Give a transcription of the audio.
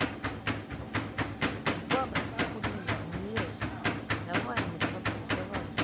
баба это похудение ней давай мы с тобой разговаривать